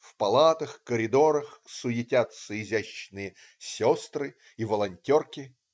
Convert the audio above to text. В палатах, коридорах суетятся изящные сестры и волонтерки.